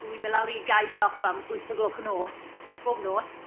Wi'n mynd lawr i gau siop am wyth o gloch nos, bob nos.